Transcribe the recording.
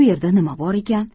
u yerda nima bor ekan